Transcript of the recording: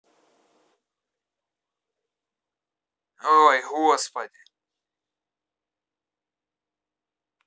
ой господи